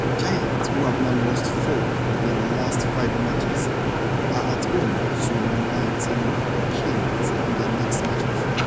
The Giants, who have now lost four of their last five matches, are at home to Milton Keynes in their next match on Friday.